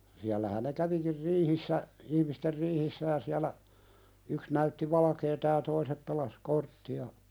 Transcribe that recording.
siellähän ne kävikin riihissä ihmisten riihissä ja siellä yksi näytti valkeaa ja toiset pelasi korttia